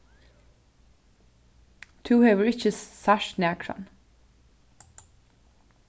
tú hevur ikki sært nakran